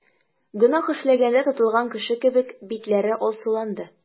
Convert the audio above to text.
Гөнаһ эшләгәндә тотылган кеше кебек, битләре алсуланды.